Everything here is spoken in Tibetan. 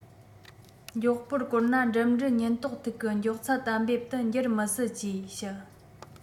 མགྱོགས པོར བསྐོར ན འགྲིམ འགྲུལ ཉེན རྟོག ཐིག གི མགྱོགས ཚད གཏན འབེབས དུ འགྱུར མི སྲིད ཅེས བཤད